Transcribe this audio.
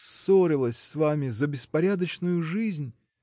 ссорилась с вами за беспорядочную жизнь.